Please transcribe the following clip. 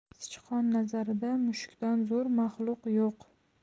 sichqon nazarida mushukdan zo'r maxluq yo'q